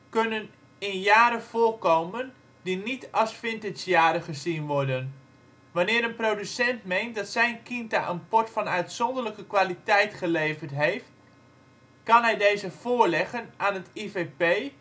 kunnen in jaren voorkomen die niet als vintage-jaren gezien worden. Wanneer een producent meent dat zijn Quinta een port van uitzonderlijke kwaliteit geleverd heeft, kan hij deze voorleggen aan het IVP (=